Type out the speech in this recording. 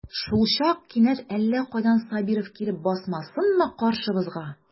Шулчак кинәт әллә кайдан Сабиров килеп басмасынмы каршыбызга.